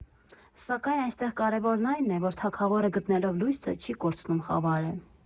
Սակայն այստեղ կարևորն այն է, որ թագավորը գտնելով լույսը՝ չի կորցնում խավարը։